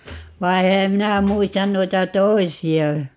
vaan enhän minä muista noita toisia